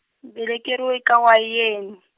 velekeriwe eka Wayeni.